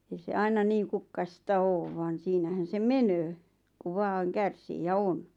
ei se aina niin kukkaista ole vaan siinähän se menee kun vain kärsii ja on